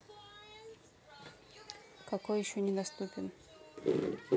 какой еще недоступен